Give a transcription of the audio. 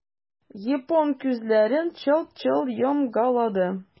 Япон күзләрен челт-челт йомгалады.